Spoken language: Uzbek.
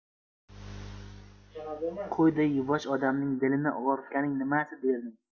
qo'yday yuvosh odamning dilini og'ritganing nimasi derdim